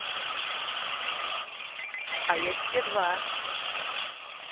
а я тебе два